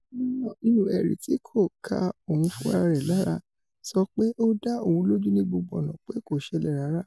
Kavanaugh, nínú ẹ̀rí tí kò ká òun fúnrarẹ̀ lára, sọ pé ó dá oùn lójú ní gbogbo ọ̀na pé kó ṣẹlẹ̀ rárá.